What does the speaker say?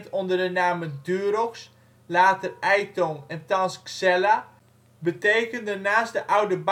onder de namen Durox, later Ytong en thans Xella betekenden naast de oude